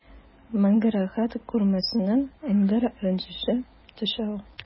Мәңге рәхәт күрмәсеннәр, әниләр рәнҗеше төшә ул.